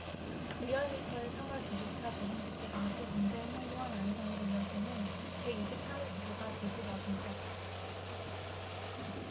리얼미터의 삼 월 두 주차 주중집계 당시 문재인 황교안 안희정으로 이어지는 백 이십 삼 위 구도가 뒤집어진 것